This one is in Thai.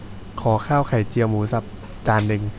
ขอข้าวไข่เจียวหมูสับจานนึง